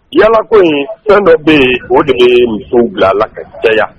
Yaalako in fɛn dɔ bɛ yen o de bɛ musow bil'a la ka caya